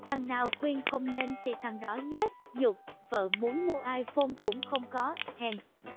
thằng nào khuyên không nên thì thằng đó nhát nhục vợ muốn mua iphone cũng không có hèn